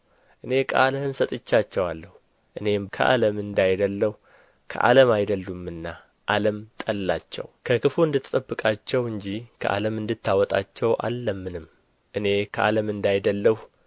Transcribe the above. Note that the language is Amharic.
እኔ ቃልህን ሰጥቻቸዋለሁ እኔም ከዓለም እንዳይደለሁ ከዓለም አይደሉምና ዓለም ጠላቸው ከክፉ እንድትጠብቃቸው እንጂ ከዓለም እንድታወጣቸው አልለምንም እኔ ከዓለም እንዳይደለሁ